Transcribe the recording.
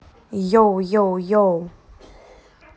йо йо йо